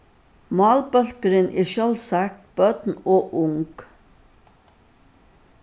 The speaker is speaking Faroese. málbólkurin er sjálvsagt børn og ung